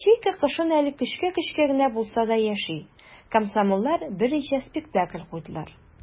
Ячейка кышын әле көчкә-көчкә генә булса да яши - комсомоллар берничә спектакль куйдылар.